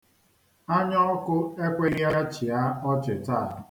Anyaọkụ ekweghị ̣ya chịa ọchị taa.